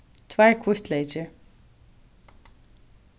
tveir hvítleykir